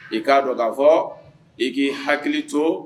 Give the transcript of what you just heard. I k'a dɔ kaa fɔ i k'i hakili to